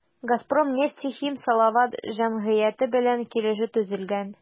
“газпром нефтехим салават” җәмгыяте белән килешү төзелгән.